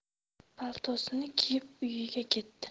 paltosini kiyib uyiga ketdi